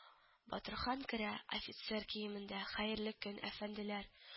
Батырхан керә, офицер киемендә. - Хәерле көн, әфәнделәр